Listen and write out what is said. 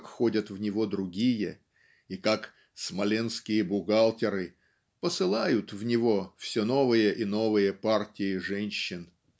как ходят в него другие и как "смоленские бухгалтеры" посылают в него все новые и новые партии женщин.